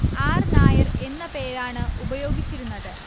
R Nair എന്ന പേരാണ് ഉപയോഗിച്ചിരുന്നത്